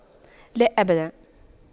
لا أبدا